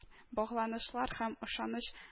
Багланышлар һәм ышаныч